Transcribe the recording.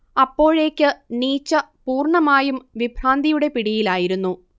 അപ്പോഴേക്ക് നീച്ച പൂർണ്ണമായും വിഭ്രാന്തിയുടെ പിടിയിലായിരുന്നു